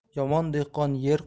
yomon dehqon yer